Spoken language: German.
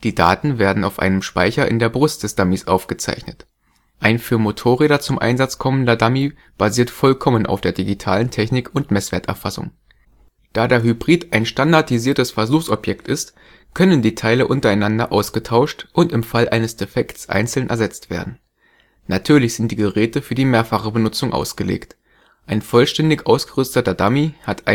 Daten werden auf einem Speicher in der Brust des Dummies aufgezeichnet. Ein für Motorräder zum Einsatz kommender Dummy basiert vollkommen auf der digitalen Technik und Messwerterfassung. Da der Hybrid ein standardisiertes Versuchsobjekt ist, können die Teile untereinander ausgetauscht und im Fall eines Defekts einzeln ersetzt werden. Natürlich sind die Geräte für die mehrfache Benutzung ausgelegt. Ein vollständig ausgerüsteter Dummy hat